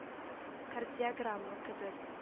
— кардиограмма кебек…